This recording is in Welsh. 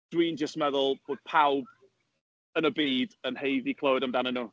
Dwi'n jyst meddwl bod pawb yn y byd yn haeddu clywed amdanyn nhw.